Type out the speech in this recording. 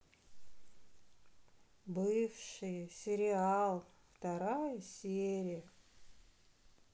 бывшие сериал вторая серия